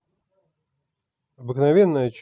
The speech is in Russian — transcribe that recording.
обыкновенное чудо